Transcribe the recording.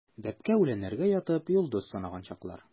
Бәбкә үләннәргә ятып, йолдыз санаган чаклар.